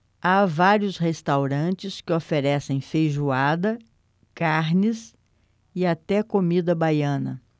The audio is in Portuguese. há vários restaurantes que oferecem feijoada carnes e até comida baiana